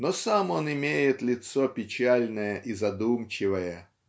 но сам он имеет лицо печальное и задумчивое.